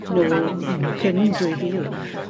###nôl m- cyn dwy fil.